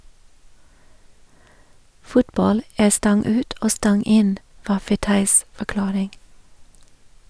Fotball er stang ut og stang inn, var Fetais forklaring.